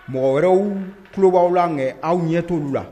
Mɔgɔ wɛrɛw tulo b'aw la nkɛ aw ɲɛ t'olu la.